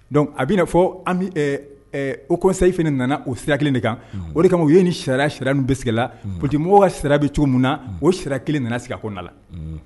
Dɔnku a bɛ fɔ o kɔsaf nana o sira de kan o de kama u ye ni sariya sira bisimila la p quemɔgɔ sira bɛ cogo min na o sira kelen nana sigi ko na la